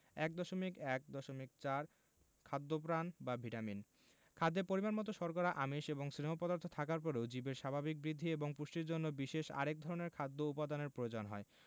১.১.৪ খাদ্যপ্রাণ বা ভিটামিন খাদ্যে পরিমাণমতো শর্করা আমিষ এবং স্নেহ পদার্থ থাকার পরেও জীবের স্বাভাবিক বৃদ্ধি এবং পুষ্টির জন্য বিশেষ আরেক ধরনের খাদ্য উপাদানের প্রয়োজন হয়